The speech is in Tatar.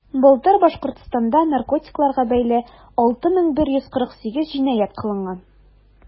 Былтыр Башкортстанда наркотикларга бәйле 6148 җинаять кылынган.